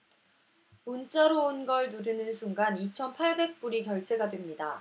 문자로 온 걸 누르는 순간 이천 팔백 불이 결제가 됩니다